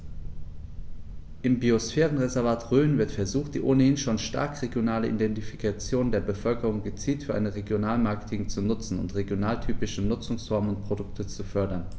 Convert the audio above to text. Im Biosphärenreservat Rhön wird versucht, die ohnehin schon starke regionale Identifikation der Bevölkerung gezielt für ein Regionalmarketing zu nutzen und regionaltypische Nutzungsformen und Produkte zu fördern.